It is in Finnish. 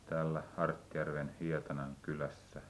täällä Artjärven Hietanan kylässä